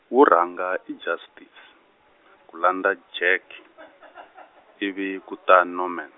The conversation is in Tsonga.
wo rhanga i Justice, ku landza Jack , ivi ku ta Norman.